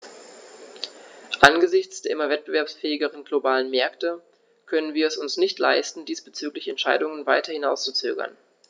Angesichts der immer wettbewerbsfähigeren globalen Märkte können wir es uns nicht leisten, diesbezügliche Entscheidungen weiter hinauszuzögern.